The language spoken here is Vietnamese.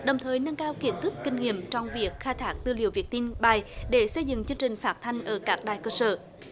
đồng thời nâng cao kiến thức kinh nghiệm trong việc khai thác tư liệu viết tin bài để xây dựng chương trình phát thanh ở các đài cơ sở